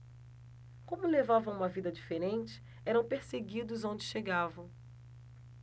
como levavam uma vida diferente eram perseguidos onde chegavam